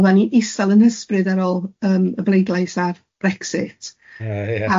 Oeddan ni isel yn hysbryd ar ôl yym y bleidlais ar Brexit. Oh ia.